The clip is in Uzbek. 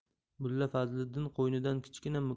mulla fazliddin qo'ynidan kichkina